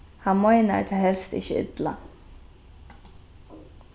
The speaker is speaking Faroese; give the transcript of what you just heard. hann meinar tað helst ikki illa